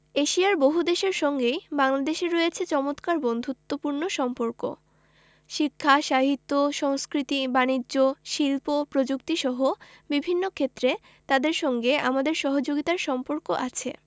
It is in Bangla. এশিয়ার বহুদেশের সঙ্গেই বাংলাদেশের রয়েছে চমৎকার বন্ধুত্বপূর্ণ সম্পর্ক শিক্ষা সাহিত্য সংস্কৃতি বানিজ্য শিল্প প্রযুক্তিসহ বিভিন্ন ক্ষেত্রে তাদের সঙ্গে আমাদের সহযোগিতার সম্পর্ক আছে